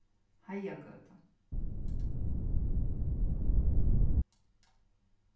heiðagøta